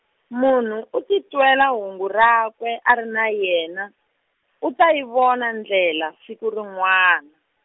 munhu u titwela hungu rakwe a ri na yena, u ta yi vona ndlela, siku rin'wana.